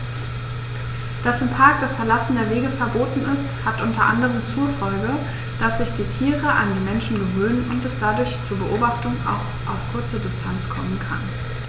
Dass im Park das Verlassen der Wege verboten ist, hat unter anderem zur Folge, dass sich die Tiere an die Menschen gewöhnen und es dadurch zu Beobachtungen auch auf kurze Distanz kommen kann.